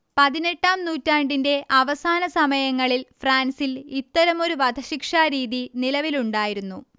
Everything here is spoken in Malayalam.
പതിനെട്ടാം നൂറ്റാണ്ടിന്റെ അവസാനസമയങ്ങളിൽ ഫ്രാൻസിൽ ഇത്തരമൊരു വധശിക്ഷാരീതി നിലവിലുണ്ടായിരുന്നു